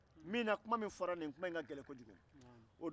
kuma min fɔra a ka gɛlɛn kojgu